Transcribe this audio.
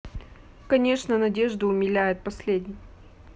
конечно надежда умиляет последний